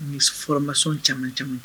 Misi fɔlɔmasɔn caman caman